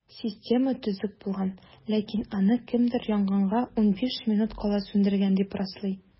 Система төзек булган, ләкин аны кемдер янгынга 15 минут кала сүндергән, дип раслый.